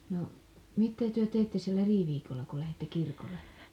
no mitä te teitte sillä riiviikolla kun lähditte kirkolle